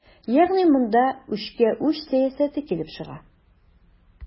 Ягъни монда үчкә-үч сәясәте килеп чыга.